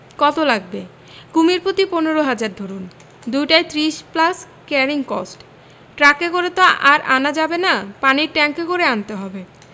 কত লাগবে কুমীর প্রতি পনেরো হাজার ধরুন দুইটায় ত্রিশ প্লাস ক্যারিং কস্ট ট্রাকে করে তো আর আনা যাবে না পানির ট্যাংকে করে আনতে হবে